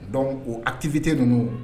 Dɔnku o atifite ninnu